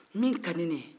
min ka di ne ye